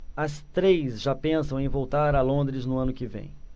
as três já pensam em voltar a londres no ano que vem